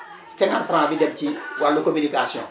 50F bi dem ci wàllu communication